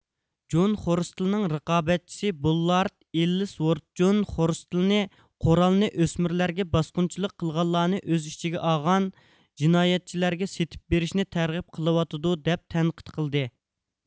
جون خورستىلنىڭ رىقابەتچىسى بوللارد ئېللىسۋورتجون خورستىلنى قورالنى ئۆسمۈرلەرگە باسقۇنچىلىق قىلغانلارنى ئۆز ئىچىگە ئالغان جىنايەتچىلەرگە سېتىپ بېرىشنى تەرغىب قىلىۋاتىدۇ دەپ تەنقىد قىلدى